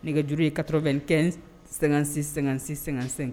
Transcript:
Nɛgɛjuru ye 95 56 56 55